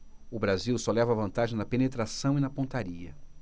o brasil só leva vantagem na penetração e na pontaria